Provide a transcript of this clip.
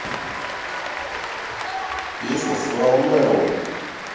песня слава мэрлоу